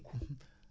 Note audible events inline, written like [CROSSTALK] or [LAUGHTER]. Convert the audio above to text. [HESITATION] [HESITATION]